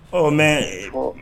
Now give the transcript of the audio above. Ɔ, mais ɛɛ